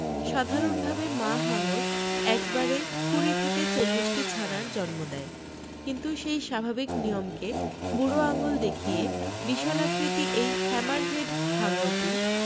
সাধারণ ভাবে মা হাঙর এক বারে কুড়ি থেকে চল্লিশটি ছানার জন্ম দেয় কিন্তু সেই স্বাভাবিক নিয়মকে বুড়ো আঙুল দেখিয়ে বিশালাকৃতি এই হ্যামারহেড হাঙরটি